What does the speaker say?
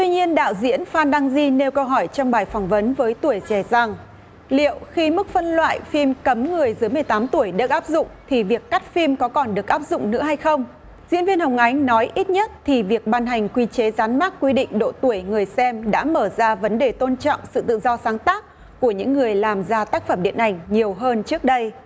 tuy nhiên đạo diễn phan đăng di nêu câu hỏi trong bài phỏng vấn với tuổi trẻ rằng liệu khi mức phân loại phim cấm người dưới mười tám tuổi được áp dụng thì việc cắt phim có còn được áp dụng nữa hay không diễn viên hồng ánh nói ít nhất thì việc ban hành quy chế dán mác quy định độ tuổi người xem đã mở ra vấn đề tôn trọng sự tự do sáng tác của những người làm ra tác phẩm điện ảnh nhiều hơn trước đây